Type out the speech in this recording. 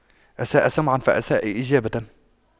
أساء سمعاً فأساء إجابة